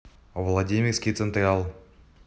владимирский централ